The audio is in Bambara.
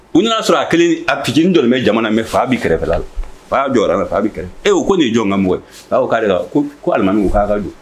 U nanaa sɔrɔ a kelen a ptinin dɔ bɛ jamana mɛ fa bɛ kɛrɛfɛfɛ la fa y'a jɔyara la fa bɛ kɛrɛfɛ e ko ni jɔn ka mɔgɔ baw k'ale la ko alimau haka don